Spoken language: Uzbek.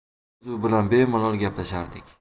biz u bilan bemalol gaplashardik